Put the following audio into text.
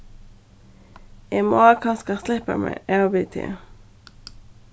eg má kanska sleppa mær av við teg